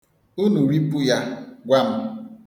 Unu ripụ ya, gwa m.